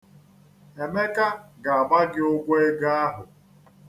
Emeka ga-agba gị ụgwọ ego ahụ.